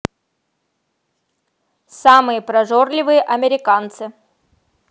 самые прожорливые американцы